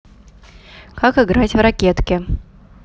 как играть в ракетке